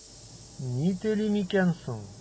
Ни телим икән соң?